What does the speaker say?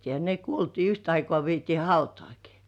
ja ne kuoltiin yhtä aikoa vietiin hautaankin